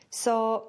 So